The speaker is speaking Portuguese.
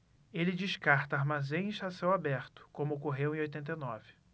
ele descarta armazéns a céu aberto como ocorreu em oitenta e nove